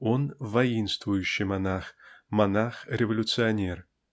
он -- воинствующий монах, монах-революционер.